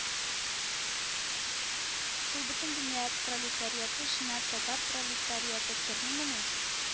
Шул бөтендөнья пролетариаты эченә татар пролетариаты кермимени